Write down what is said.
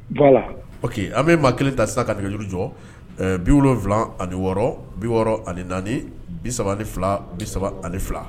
Voila, ok an bɛ maa kelen ta sisan ka nɛgɛjuru jɔ 76 64 32 32